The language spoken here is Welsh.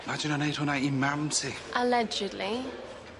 Imajino neud hwnna i mam ti. Allegedly.